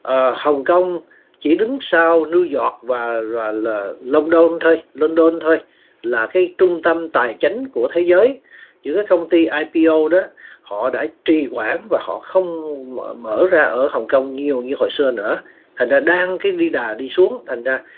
ờ hồng công chỉ đứng sau niu dọc và à luân đôn thôi lân đôn thôi là cái trung tâm tài chánh của thế giới giữa công ty ai pi ô đó họ đã trì hoãn và họ không mở mở ra ở hồng công nhiều như hồi xưa nữa thành ra đang cái đi đà đi xuống thành ra